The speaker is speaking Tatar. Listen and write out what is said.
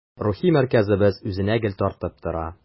Рухи мәркәзебез үзенә гел тартып тора.